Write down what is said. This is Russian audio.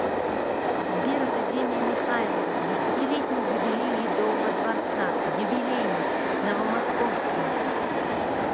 сбер академия михайлова десятилетний юбилей ледового дворца юбилейный новомосковске